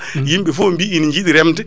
yimɓe foo bi ine jiiɗi remde